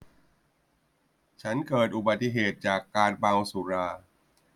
ฉันเกิดอุบัติเหตุจากการเมาสุรา